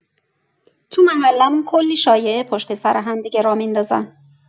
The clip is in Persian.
تو محله‌مون کلی شایعه پشت‌سر همدیگه راه می‌ندازن.